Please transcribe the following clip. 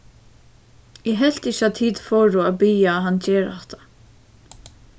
eg helt ikki at tit fóru at biðja hann gera hatta